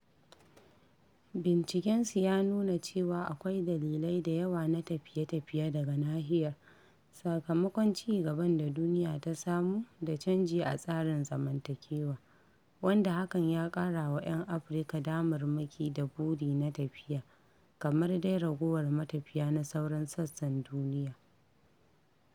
Bincikensu ya nuna cewa akwai dalilai da yawa na tafiye-tafiye daga nahiyar sakamakon "cigaban da duniya ta samu da canji a tsarin zamantakewa" wanda hakan ya ƙarawa 'yan Afirka "damarmaki da buri" na tafiya - kamar dai ragowar matafiya na sauran sassan duniya.